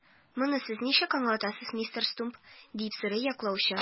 Моны сез ничек аңлатасыз, мистер Стумп? - дип сорый яклаучы.